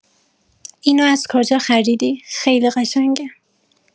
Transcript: اینو از کجا خریدی خیلی قشنگه